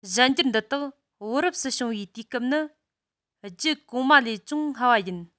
གཞན འགྱུར འདི དག བུ རབས སུ བྱུང བའི དུས སྐབས ནི རྒྱུད གོང མ ལས ཅུང སྔ བ ཡིན